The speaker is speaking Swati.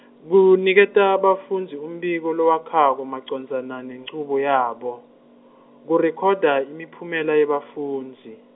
kuniketa bafundzi umbiko lowakhako macondzana nenchubo yabo, kurekhoda imiphumela yebafundzi.